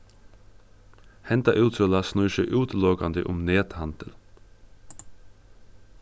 henda útsøla snýr seg útilokandi um nethandil